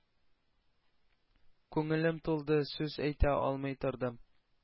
Күңелем тулды, сүз әйтә алмый тордым.